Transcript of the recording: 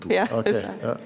ja.